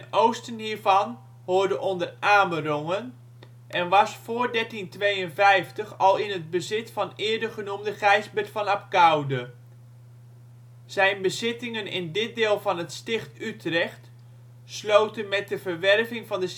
oosten hiervan hoorde onder Amerongen en was voor 1352 al in het bezit van eerder genoemde Gijsbert van Abcoude. Zijn bezittingen in dit deel van het Sticht Utrecht sloten met de verwerving van de